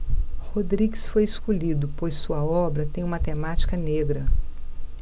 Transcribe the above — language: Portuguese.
rodrigues foi escolhido pois sua obra tem uma temática negra